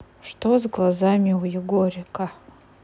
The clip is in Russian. что с глазами у егорика